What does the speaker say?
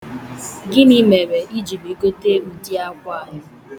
Gịnị mere ị jiri gote udi akwa a?